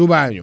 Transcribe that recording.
tubaño